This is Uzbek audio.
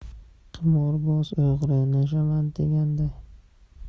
qimorboz o'g'ri nashavand deganday